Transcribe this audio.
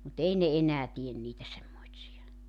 mutta ei ne enää tee niitä semmoisia